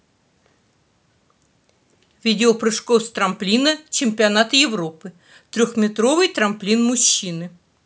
видео прыжков с трамплина с чемпионата европы трехметровый трамплин мужчины